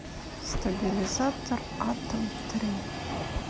стабилизатор атом три